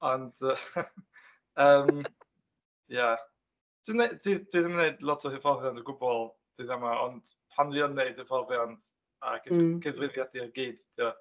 Ond yym ie dwi'n wneud... dwi ddim yn wneud lot o hyfforddiant o gwbl dyddiau yma. Ond pan dwi yn wneud hyfforddiant ar c-... hmm... cyfrifiadur i gyd ydy o.